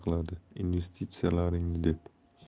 qiladi investitsiyalaringni deb